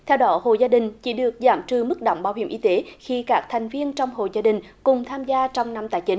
theo đó hộ gia đình chỉ được giảm trừ mức đóng bảo hiểm y tế khi các thành viên trong hộ gia đình cùng tham gia trong năm tài chính